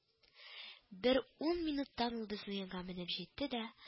Бер ун минуттан ул безнең янга менеп җитте дә